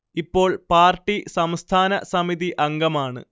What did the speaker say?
ഇപ്പോൾ പാർട്ടി സംസ്ഥാന സമിതി അംഗമാണ്